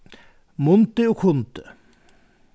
mundi og kundi